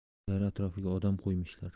uylari atrofiga odam qo'ymishlar